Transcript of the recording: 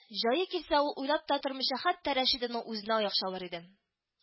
Җае килсә, ул уйлап та тормыйча хәтта Рәшидовның үзенә аяк чалыр иде